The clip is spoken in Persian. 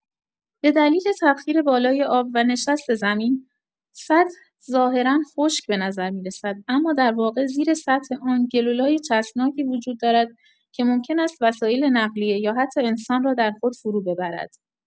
به‌دلیل تبخیر بالای آب و نشست زمین، سطح ظاهرا خشک به‌نظر می‌رسد، اما در واقع زیر سطح آن گل و لای چسبناکی وجود دارد که ممکن است وسایل نقلیه یا حتی انسان را در خود فروببرد.